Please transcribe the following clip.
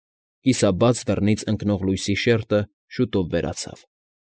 Կիսաբաց դռնից ընկնող լույսի շերջը շուտով վերացավ։